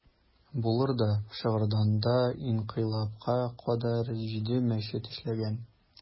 Булыр да, Шыгырданда инкыйлабка кадәр җиде мәчет эшләгән.